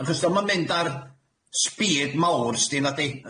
Achos 'di o'm yn mynd ar sbîd mawr s'di nadi?